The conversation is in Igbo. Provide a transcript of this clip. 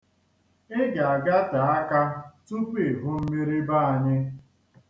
Ị ga-agate aka tupu i hụ mmiri be anyị.